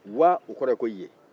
wa o kɔrɔ ye ko yen